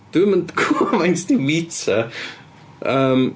Dwi ddim yn gwbod faint 'di metre. Yym...